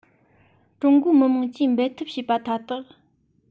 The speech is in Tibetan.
ཀྲུང གོའི མི དམངས ཀྱིས འབད འཐབ བྱས པ མཐའ དག